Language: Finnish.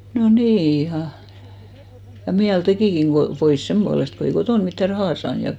no niin ihan ja mieli tekikin kun pois sen puolesta kun ei kotona mitään rahaa saanut ja